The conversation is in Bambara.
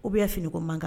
U bɛ finiko man kan